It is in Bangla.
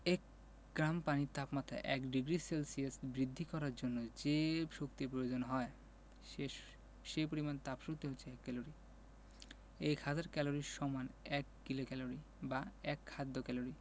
এক গ্রাম পানির তাপমাত্রা ১ ডিগ্রি সেলসিয়াস বৃদ্ধি করার জন্য যে শক্তির প্রয়োজন হয় সে পরিমাণ তাপশক্তি হচ্ছে এক ক্যালরি এক হাজার ক্যালরি সমান এক কিলোক্যালরি বা এক খাদ্য ক্যালরি